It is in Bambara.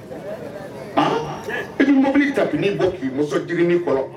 An tiɲɛ i bi mɔbili cabine bɔ k'i mɔsɔ jirinin kɔrɔ